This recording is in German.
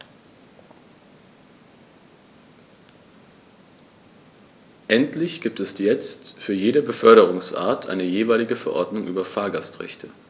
Endlich gibt es jetzt für jede Beförderungsart eine jeweilige Verordnung über Fahrgastrechte.